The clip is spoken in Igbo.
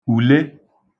ùle